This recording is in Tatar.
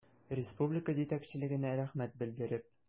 Республика җитәкчелегенә рәхмәт белдереп.